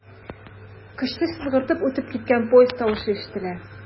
Көчле сызгыртып үтеп киткән поезд тавышы ишетелә.